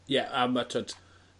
Ie a ma' t'wod